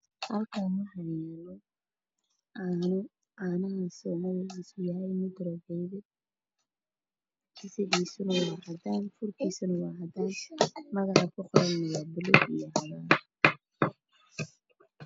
Halkani waxaa yaalo caano caanahaasi magaciisu yahay micro baby gasaciisu waa cadaan furkiisuna waa cadaan magaca ku qoran waa buluug iyo cagaar